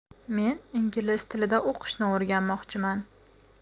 men ingliz tilida o'qishni o'rganmoqchiman